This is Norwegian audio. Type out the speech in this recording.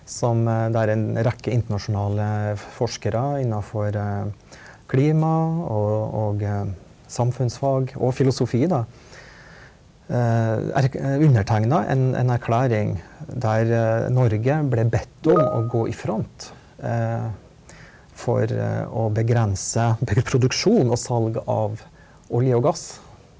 som der er en rekke internasjonale forskere innafor klima og og samfunnsfag og filosofi da undertegna en en erklæring der Norge ble bedt om å gå i front for å begrense produksjon og salg av olje og gass.